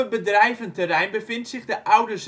bedrijventerrein bevindt zich de oude